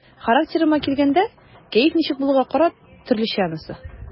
Характерыма килгәндә, кәеф ничек булуга карап, төрлечә анысы.